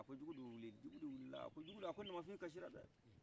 a ko jugudu wili jugudu wilila a ko jugudu namafin kasira dai